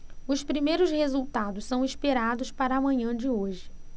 os primeiros resultados são esperados para a manhã de hoje